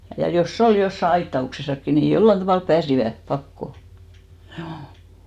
ja jos oli jossakin aitauksessakin niin jollakin tavalla pääsivät pakoon juu